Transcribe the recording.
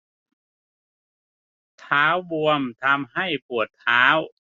เท้าบวมทำให้ปวดเท้า